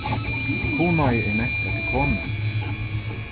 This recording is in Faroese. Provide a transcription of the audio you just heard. kunoy er nevnt eftir konu